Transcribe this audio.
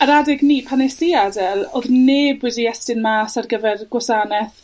...a'r adeg 'ny pan nes i adel odd neb wedi estyn mas ar gyfer gwasaneth